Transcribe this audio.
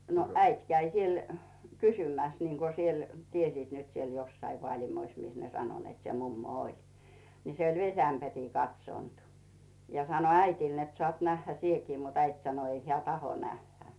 no äiti kävi siellä kysymässä niin kuin siellä tiesivät nyt siellä jossakin Vaalimoissa missä ne sanoi että se mummo oli niin se oli vesiämpäriin katsonut ja sanoi äidille että saat nähdä sinäkin mutta äiti sanoi ei hän tahdo nähdä